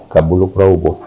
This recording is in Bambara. Ka bolo kuraw bɔ